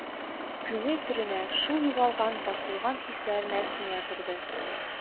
Күңел түренә, шул югалган, басылган хисләренә сеңә торды